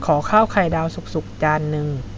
ขอข้าวไข่ดาวสุกๆจานนึง